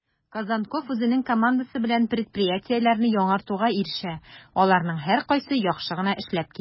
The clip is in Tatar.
Козонков үзенең командасы белән предприятиеләрне яңартуга ирешә, аларның һәркайсы яхшы гына эшләп килә: